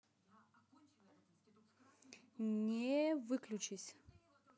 нет выключись